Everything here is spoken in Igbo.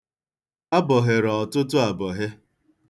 A bọhere ọtụtụ abọhe.